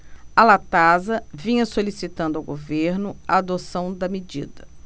a latasa vinha solicitando ao governo a adoção da medida